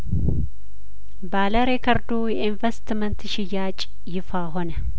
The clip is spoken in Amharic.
ባለሬከርዱ ኢንቨስትመንት ሽያጭ ይፋ ሆነ